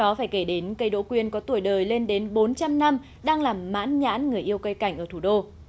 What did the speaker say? đó phải kể đến cây đỗ quyên có tuổi đời lên đến bốn trăm năm đang làm mãn nhãn người yêu cây cảnh ở thủ đô